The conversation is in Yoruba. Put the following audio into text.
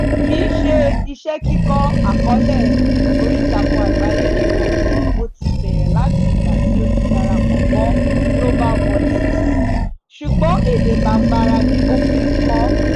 Kìí ṣe iṣẹ́ kíkọ àkọọ́lẹ̀ oríìtakùn àgbáyé nìkan ni o ti bẹ̀rẹ̀ láti ìgbà tí o ti darapọ̀ mọ́ Global Voices, ṣùgbọ́n èdè Bambara ni o fi ń kọ ọ́!